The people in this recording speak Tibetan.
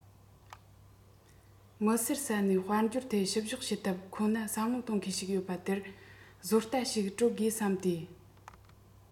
མི སེར ས ནས དཔལ འབྱོར ཐད བཤུ གཞོག བྱེད ཐབས ཁོ ན བསམ བློ གཏོང མཁན ཞིག ཡོད པ དེར བཟོ ལྟ ཞིག སྤྲད དགོས བསམས ཏེ